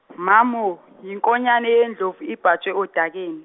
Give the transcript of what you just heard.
mamo yinkonyane yendlovu ibhajwe odakeni.